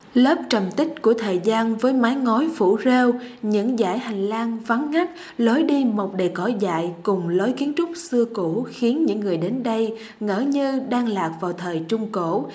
lớp trầm tích của thời gian với mái ngói phủ rêu những dãy hành lang vắng ngắt lối đi mọc đầy cỏ dại cùng lối kiến trúc xưa cũ khiến những người đến đây ngỡ như đang lạc vào thời trung cổ